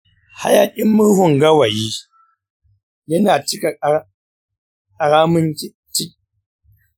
hayaƙin murhun gawayi yana cika ƙaramin kicin ɗinmu kullum.